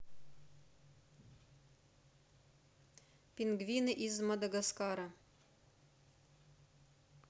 пингвины из мадагаскара